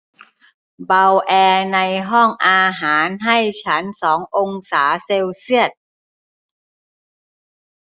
เบาแอร์ในห้องอาหารให้ฉันสององศาเซลเซียส